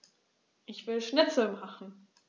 Ich will Schnitzel machen.